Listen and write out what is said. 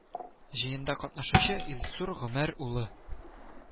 Җыенда катнашучы Илсур Гомәр улы